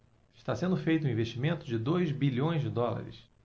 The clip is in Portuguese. está sendo feito um investimento de dois bilhões de dólares